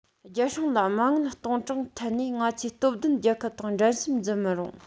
རྒྱལ སྲུང ལ མ དངུལ གཏོང གྲངས ཐད ནས ང ཚོས སྟོབས ལྡན རྒྱལ ཁབ དང འགྲན སེམས འཛིན མི རུང